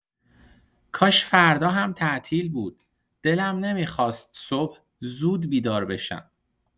کاش فردا هم تعطیل بود، دلم نمی‌خواست صبح زود بیدار شم.